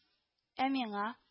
- ә миңа